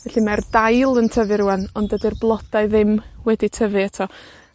Felly, mae'r dail yn tyfu rŵan, ond dydi'r blodau ddim wedi tyfu eto.